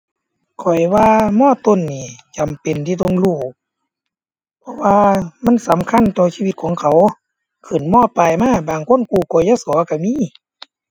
ข้อยว่า ม. ต้น นี่จำเป็นที่ต้องรู้ เพราะว่ามันสำคัญต่อชีวิตของเขา ขึ้น ม. ปลาย มาบางคนกู้ กยศ. ก็มี